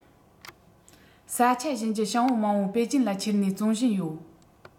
ས ཆ གཞན ཀྱི བྱང བུ མང པོ པེ ཅིན ལ ཁྱེར ནས བཙོང བཞིན ཡོད